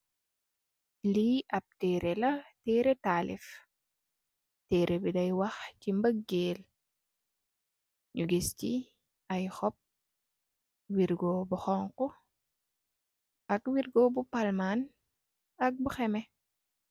Li ap terreh la terreh taliff , terreh bi day xaw ci mbagel. Ñu gis ci ay xop, wirgo bu xonxu ak wirgo bu palman ak bu xemeh.